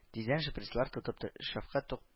Тиздән шприцлар тотып ты шәфкать тук